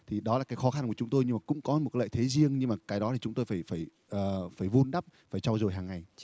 thì đó là cái khó khăn của chúng tôi nhưng mà cũng có một lợi thế riêng nhưng mà cái đó thì chúng tôi phải phải ờ phải vun đắp phải trau dồi hằng ngày